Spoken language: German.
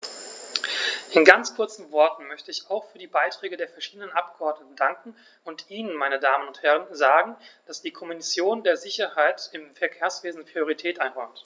In ganz kurzen Worten möchte ich auch für die Beiträge der verschiedenen Abgeordneten danken und Ihnen, meine Damen und Herren, sagen, dass die Kommission der Sicherheit im Verkehrswesen Priorität einräumt.